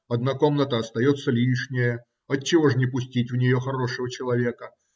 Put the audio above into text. одна комната остается лишняя - отчего ж не пустить в нее хорошего человека?